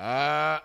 Aa